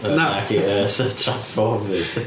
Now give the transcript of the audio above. Na... Naci yy Transformers